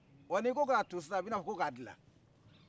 wa ni ko ka tun sisan u bɛ na fɔ ko ka dilan